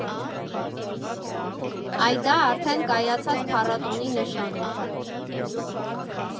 Այ դա արդեն կայացած փառատոնի նշան էր։